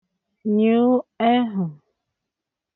nyụ ẹhụ̀